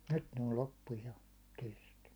nyt ne on loppu jo kesken